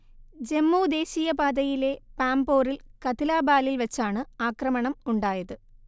ജമ്മു ദേശീയപാതയിലെ പാംപോറിൽ കദ്ലാബാലിൽ വച്ചാണ് ആക്രമണം ഉണ്ടായത്